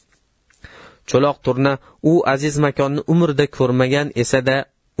cho'loq turna u aziz makonni umrida ko'rmagan esa da